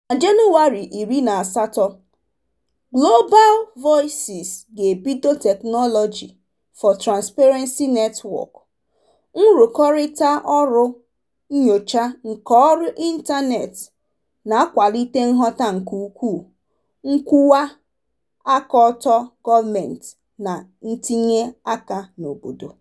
Na Jenụwarị 18 Global Voices ga-ebido Technology for Transparency Network, nrụkọrịta ọrụ nnyocha nke ọrụ ịntanetị na-akwalite nghọta nke ukwuu, nkwụwa aka ọtọ gọọmentị, na ntinye aka n'obodo.